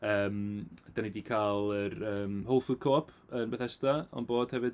Yym dan ni 'di cael yr yym Whole Food Co-op yn Bethesda on board hefyd.